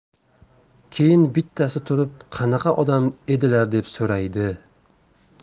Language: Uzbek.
keyin bittasi turib qanaqa odam edilar deb so'raydi